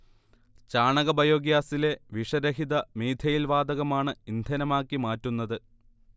ചാണക ബയോഗ്യാസിലെ വിഷരഹിത മീഥെയ് ൻ വാതകമാണ് ഇന്ധനമാക്കി മാറ്റുന്നത്